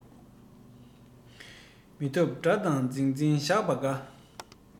མི ཐུབ དགྲ དང འཛིང འཛིང བཞག པ དགའ